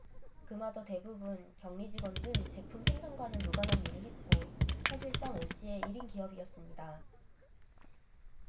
그마저 대부분 경리직원 등 제품 생산과는 무관한 일을 했고 사실상 오 씨의 일 인 기업이었습니다